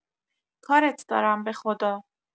کارت دارم بخدا